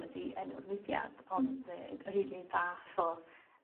ydi enw'r mudiad ond yy yr un un fath o